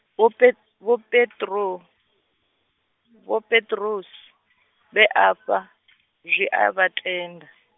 Vho Pet- Vho Petro-, Vho Petrus, vhe afha, zwi avha tenda.